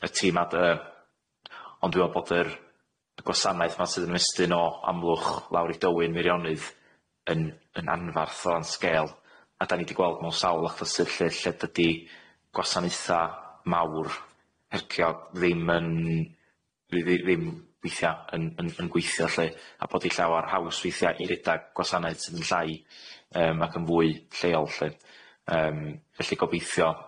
tîm a dy y ond 'dw me'l bod yr gwasanaeth 'ma sy'n mestyn o Amlwch lawr i Dowyn Meirionydd yn yn anfarth o sgêl a 'da ni di gweld mewn sawl achlysur lly lle dydi gwasanaetha mawr herciog ddim yn ddi- ddi- ddim weithia' yn yn yn gweithio lly a bod 'i llawar haws weithia' i redag gwasanaeth sydd yn llai ac yn fwy lleol lly. Yym felly gobeithio fydd y tîm a dy y